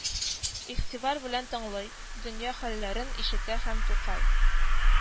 Игътибар белән тыңлый, дөнья хәлләрен ишетә һәм тукай